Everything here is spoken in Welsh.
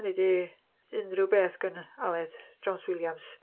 Hynny ydy, unryw beth gan Aled Jones Williams.